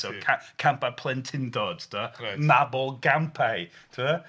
Campau plentyndod 'de... Reit... Mabolgampau.